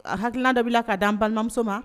A hakilikila dɔ bɛ k'a di balimamuso ma